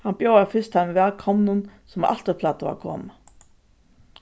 hann bjóðaði fyrst teimum vælkomnum sum altíð plagdu at koma